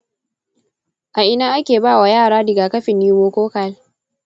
a ina ake ba wa yara rigakafin pneumococcal?